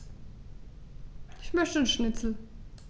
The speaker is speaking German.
Ich möchte Schnitzel.